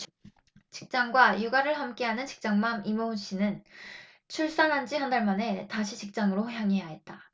직장과 육아를 함께하는 직장맘 이모씨는 출산한지 한 달 만에 다시 직장으로 향해야 했다